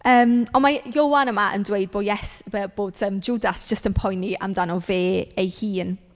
Yym ond ma' Ioan yma yn dweud bod Ies- b- bod yym Jwdas jyst yn poeni amdano fe ei hun.